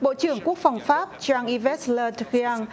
bộ trưởng quốc phòng pháp chang i vết lơ đờ ri ăng